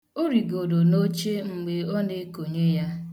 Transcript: Ọ rigoro n' oche mgbe ọ na-ekonye ya.